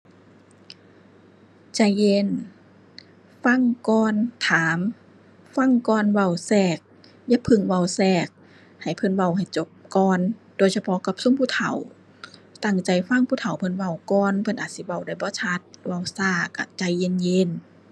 ใจเย็น ฟังก่อนถาม ฟังก่อนเว้าแทรก อย่าพึ่งเว้าแทรก ให้เพิ่นเว้าให้จบก่อน โดยเฉพาะกับซุมผู้เฒ่า ตั้งใจฟังผู้เฒ่าเพิ่นเว้าก่อน เพิ่นอาจสิเว้าได้บ่ชัด เว้าช้าช้าใจเย็นเย็น